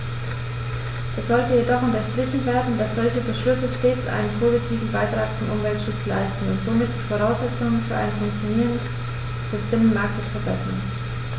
Es sollte jedoch unterstrichen werden, dass solche Beschlüsse stets einen positiven Beitrag zum Umweltschutz leisten und somit die Voraussetzungen für ein Funktionieren des Binnenmarktes verbessern.